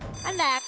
anh đạt